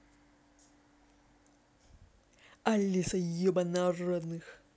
алиса еба народных